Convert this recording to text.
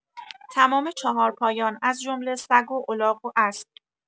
تمام چهارپایان از جمله سگ و الاغ و اسب